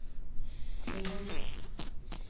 Sei ruhig.